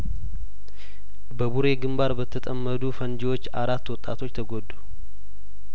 በቡሬ ግንባር በተጠመዱ ፈንጂዎች አራት ወጣቶች ተጐዱ